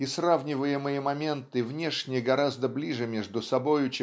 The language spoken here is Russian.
и сравниваемые моменты внешне гораздо ближе между собою